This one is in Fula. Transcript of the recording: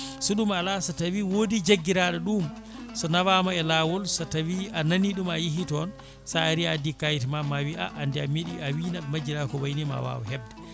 so ɗum ala so tawi woodi jagguiraɗo ɗum so nawama e lawol so tawi a nani ɗum a yeehi toon sa ari a addi kayit ma ma wiiye a ande a meeɗi a wiino aɗa majjira ko wayni ma waw hebde